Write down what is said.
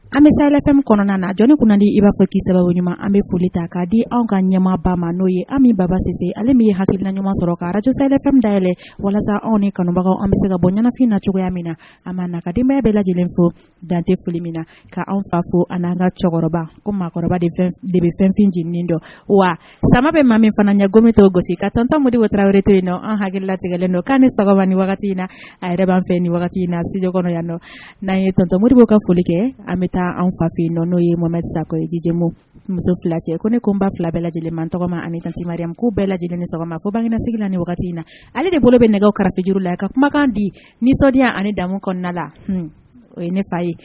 An bɛ saɛlɛm kɔnɔna na jɔnni kun di i b'a fɔki sababu ɲumanuma an bɛ folioli ta k kaa di an ka ɲɛmaaba ma n'o ye an min babase ale min ye hakilila ɲuman sɔrɔkarajlɛdayɛlɛnɛlɛ walasa anw ni kɔnɔbagaw an bɛ se ka bɔ ɲɛnafin na cogoya min na a ma nadenbaya bɛɛ la lajɛlen fɔ danteoli min na kaan fa fo ani'an ka cɛkɔrɔba ko maakɔrɔba de bɛ fɛnfineniini don wa sama bɛ ma min fana ɲɛ gomi to gosi ka tɔn tanmodi wata wɛrɛ to yen na an hakililatigɛlen don' ni saba ni wagati in na a yɛrɛ b' an fɛ nin wagati in na sdi kɔnɔ yan don n'an ye tɔntɔn moribu ka foli kɛ an bɛ taa an papifin n'o ye momɛsa ko ye jimu muso fila cɛ ko ne ko n ba fila bɛɛ lajɛlen man tɔgɔma ani kantɛmare k'u bɛɛ lajɛ lajɛlen ni sɔgɔma ko bangsigi na ni wagati in na ale de bolo bɛ nɛgɛ karatafejuru la ka kumakan di nisɔndiya ani damu kɔnɔna la o ye ne fa ye